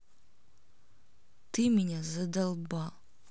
ты меня задолбал